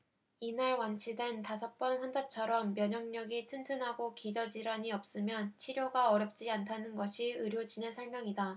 이날 완치된 다섯 번 환자처럼 면역력이 튼튼하고 기저 질환이 없으면 치료가 어렵지 않다는 것이 의료진의 설명이다